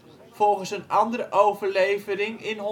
volgens een andere overlevering in